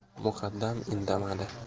muqaddam indamadi